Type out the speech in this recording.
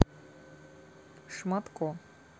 шматко